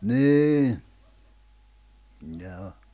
niin niinhän on